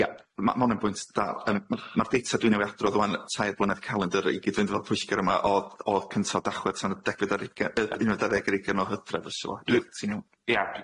Ia ma' ma' wnna'n bwynt da yym ma' ma'r data dwi newydd adrodd ŵan yy tair blynedd calendar i gyd-fynd efo'r pwyllgor yma o'dd o'dd cynta o dachled tan y degfed ar ugen yy unfed ar ddeg ar ugen o Hydref os yw os dwi'n iawn.